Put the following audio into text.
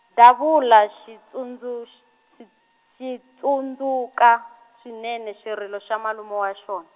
Davula xi tsundzux-, xi, xi tsundzuka, swinene xirilo xa malume wa xona.